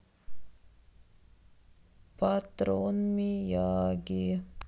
патрон мияги